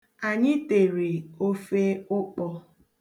Anyị tere ofe ụkpọ.